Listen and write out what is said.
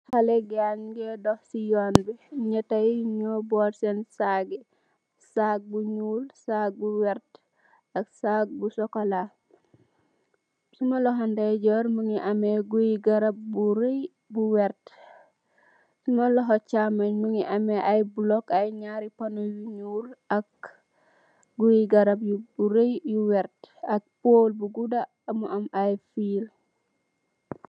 Xalé baa ngee dox so Yoon wi, ñatta yi ñu ngi boot seen saac yi. Saac bu ñuul, bu werta ak saac bu sokolaa mu ngi amee guyi garab you bari, you werta. Suma loxo ndeyjoor mu ngi amee ay guy werta, suma loxo chaamoy mu ngi amee ay bulok, ay ñaari pono, ay guyi garab you bari you werta.